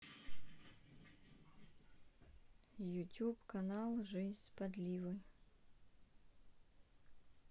ютуб канал жизнь с подливой